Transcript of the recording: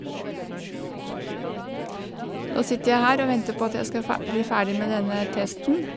Nå sitter jeg her og venter på at jeg skal fe bli ferdig med denne testen.